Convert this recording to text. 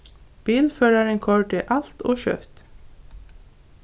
bilførarin koyrdi alt ov skjótt